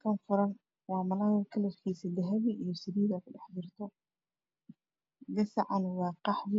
kan furan waxa ka dhex muuqdo hilibka malayga iyo saliidiisa kalarka gasacyadana wa qaxwi